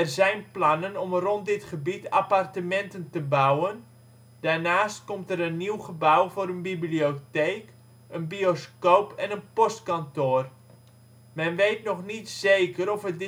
zijn plannen om rond dit gebied appartementen te bouwen. Daarnaast komt er een nieuw gebouw voor een bibliotheek, een bioscoop en een postkantoor. Men weet nog niet zeker of het distributiecentrum